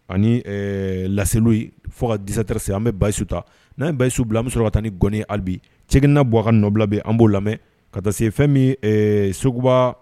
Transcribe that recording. Ani ɛɛ laseliw ye fo ka 17 heures an bɛ Bayusu ta n'an ye Bayusu bila an bɛ sɔrɔ ka taa ni gɔni ye hali bi Cɛkɛna Buwa ka nɔbila bɛ yen an b'o lamɛn ka taa se fɛn min ye Seguba